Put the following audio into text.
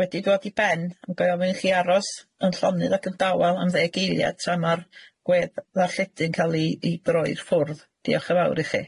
wedi dŵad i ben, ond ga i ofyn i chi aros yn llonydd ac yn dawal am ddeg eiliad tra ma'r gwe dd- ddarlledu'n ca'l 'i 'i droi i ffwrdd. Diolch yn fawr ichi.